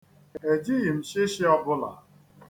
E jighịm shịshị ọbụla.